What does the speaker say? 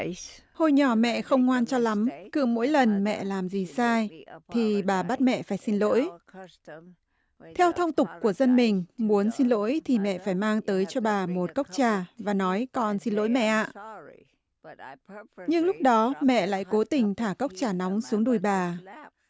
hồi nhỏ mẹ không ngoan cho lắm cứ mỗi lần mẹ làm gì sai thì bà bắt mẹ phải xin lỗi theo thông tục của dân mình muốn xin lỗi thì mẹ phải mang tới cho bà một cốc trà và nói con xin lỗi mẹ ạ nhưng lúc đó mẹ lại cố tình thả cốc trà nóng xuống đùi bà